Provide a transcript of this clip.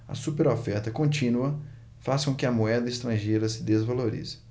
a superoferta contínua faz com que a moeda estrangeira se desvalorize